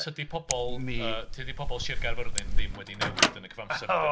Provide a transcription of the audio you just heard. Tydi pobl... Tydi pobl Sir Gaerfyrddin ddim wedi newid yn y cyfamser?